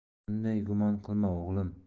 unday gumon qilma o'g'lim